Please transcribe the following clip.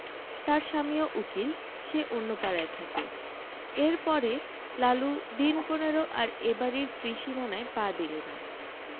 তার স্বামীও উকিল সে অন্য পাড়ায় থাকে এর পরে লালু দিন পনেরো আর এ বাড়ির ত্রিসীমানায় পা দিলে না